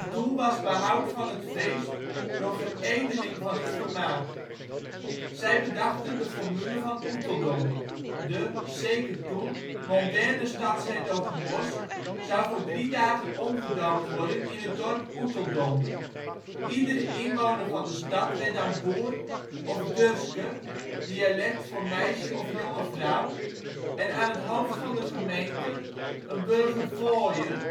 doel was behoud van het feest door veredeling van het vermaak. Zij bedachten de formule van Oeteldonk. De, zeker toen, mondaine stad ' s-Hertogenbosch zou voor drie dagen omgedoopt worden in het dorp Oeteldonk. Iedere inwoner van de stad werd dan boer of " durske " (dialect voor meisje of jonge vrouw) en aan het hoofd van de gemeente een ' burgervaojer